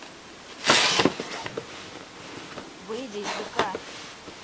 выйди из вк